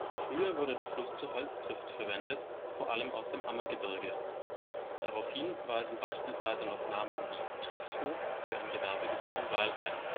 Früher wurde der Fluss zur Holztrift verwendet, vor allem aus dem Ammergebirge. Daraufhin weisen beispielsweise noch Namen wie Trifthof für ein Gewerbegebiet in Weilheim